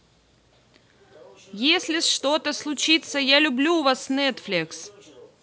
если что то случится я люблю вас netflix